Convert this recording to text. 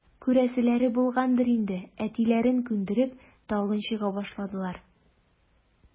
Күрәселәре булгандыр инде, әтиләрен күндереп, тагын чыга башладылар.